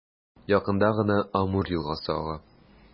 Якында гына Амур елгасы ага.